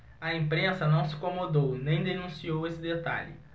a imprensa não se incomodou nem denunciou esse detalhe